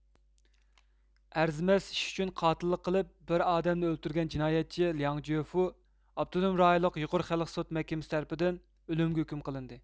ئەرزىمەس ئىش ئۈچۈن قاتىللىق قىلىپ بىر ئادەمنى ئۆلتۈرگەن جىنايەتچى لياڭ جۆفۇ ئاپتونوم رايونلۇق يۇقىرى خەلق سوت مەھكىمىسى تەرىپىدىن ئۆلۈمگە ھۆكۈم قىلىندى